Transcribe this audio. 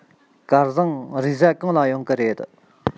སྐལ བཟང རེས གཟའ གང ལ ཡོང གི རེད